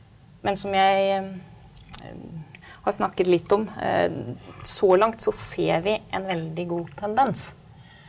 men som jeg har snakket litt om så langt så ser vi en veldig god tendens.